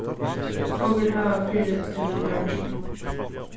okur hava fyri til í morgin